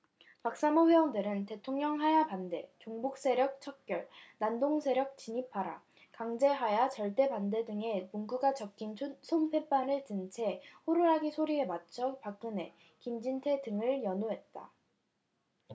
박사모 회원들은 대통령하야 반대 종북세력 척결 난동세력 진압하라 강제하야 절대반대 등의 문구가 적힌 손팻말을 든 채 호루라기 소리에 맞춰 박근혜 김진태 등을 연호했다